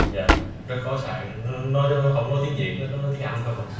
dạ rất khó xài nó hổng nói tiếng việt nó nói tiếng anh không à